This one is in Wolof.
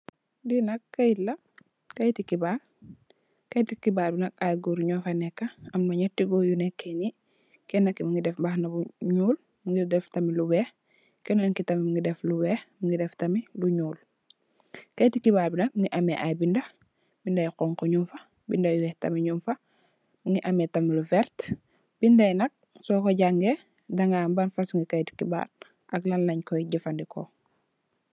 Li nak kayit la, kayit ti kibaar. kayetu kibaar bi nak ay gòor nyo fa nekka, amna nëtti gòor yu nekkè ni. Kenna ki mungi def mbahana bu ñuul, mungi def tamit lu weeh, kenen ki tamit mungi def lu weeh mungi def tamit lu ñuul. Kayetu kibaar bi nak mungi ameh ay binda, binda yu honku nung fa, binda yu weeh tamit nung fa mungi ameh tamit lu vert. Binda yi nak soko jàngay daga ham ban fasung kayetu kibaar ak lan leen koy jafadeko.